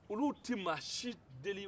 olu tɛ maa si deli